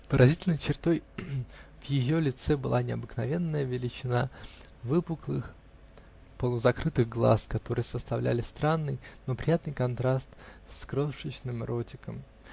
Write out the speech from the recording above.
Поразительной чертой в ее лице была необыкновенная величина выпуклых полузакрытых глаз, которые составляли странный, но приятный контраст с крошечным ротиком.